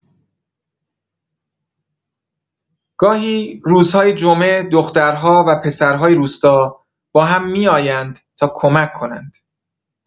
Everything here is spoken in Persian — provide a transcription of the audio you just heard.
گاهی روزهای جمعه دخترها و پسرهای روستا با هم می‌آیند تا کمک کنند.